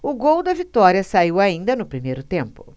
o gol da vitória saiu ainda no primeiro tempo